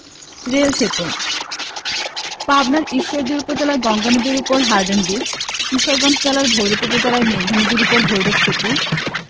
rail সেতুঃ পাবনার ঈশ্বরদী উপজেলায় গঙ্গা নদীর উপর হার্ডিঞ্জ ব্রিজ কিশোরগঞ্জ জেলার ভৈরব উপজেলায় মেঘনা নদীর উপর ভৈরব সেতু